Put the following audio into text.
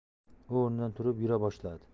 u o'rnidan turib yura boshladi